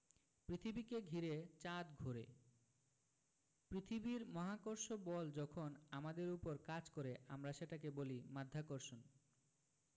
পৃথিবীকে ঘিরে চাঁদ ঘোরে পৃথিবীর মহাকর্ষ বল যখন আমাদের ওপর কাজ করে আমরা সেটাকে বলি মাধ্যাকর্ষণ